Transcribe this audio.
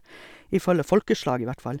Ifølge folkeslag i hvert fall.